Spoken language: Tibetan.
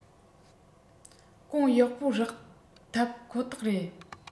གོང ཡག པོ རག ཐབས ཁོ ཐག རེད